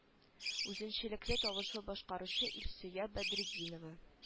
Үзенчәлекле тавышлы башкаручы илсөя бәдретдинова